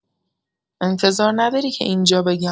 انتظار نداری که اینجا بگم